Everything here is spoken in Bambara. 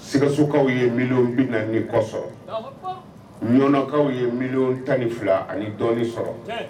Sigakasokaw ye mi bɛ na ni kɔsɔ ɲkaw ye mi tan ni fila ani dɔnni sɔrɔ